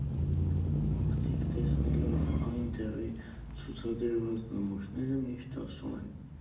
Մարդիկ, տեսնելով այստեղի ցուցադրված նմուշները, միշտ ասում են.